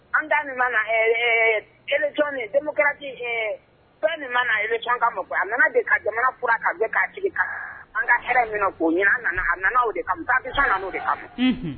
An da min mana denmuso fɛn min bɛ ka mako a nana de ka jamanaura''a sigi ka an ka hɛrɛ min ɲɛna nana ka